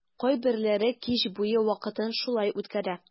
Кайберләре кич буе вакытын шулай үткәрә.